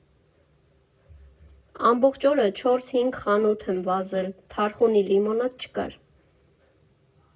Ամբողջը օրը չորս֊հինգ խանութ եմ վազել, թարխունի լիմոնադ չկար։